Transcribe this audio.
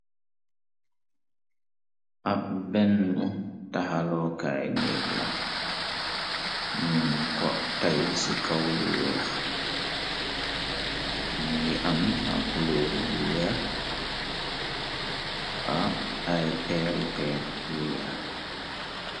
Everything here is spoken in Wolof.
ab benn taxalokaay néeg la nu ko tay ci kaw lu weex, mu ngi am akuloor yu weex ab ay peeri peer yu weex.